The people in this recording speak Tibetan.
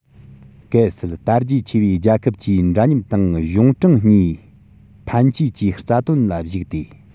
གལ སྲིད དར རྒྱས ཆེ བའི རྒྱལ ཁབ ཀྱིས འདྲ མཉམ དང གཞུང དྲང གཉིས ཕན བཅས ཀྱི རྩ དོན ལ གཞིགས ཏེ